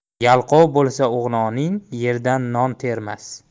yalqov bo'lsa o'g'loning yerdan non termas